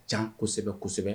Can kosɛbɛ kosɛbɛ.